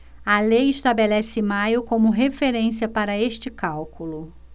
a lei estabelece maio como referência para este cálculo